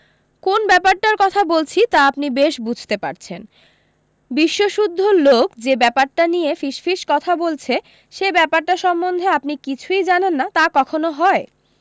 কোন ব্যাপারটার কথা বলছি তা আপনি বেশ বুঝতে পারছেন বিশ্বসুদ্ধ লোক যে ব্যাপারটা নিয়ে ফিসফিস করে কথা বলছে সে ব্যাপারটা সম্বন্ধে আপনি কিছুই জানেন না তা কখনো হয়